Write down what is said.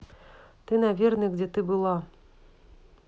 ты наверное где ты была